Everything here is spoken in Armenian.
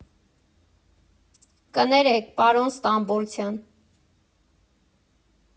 Կներեք, պարոն Ստամբոլցյան։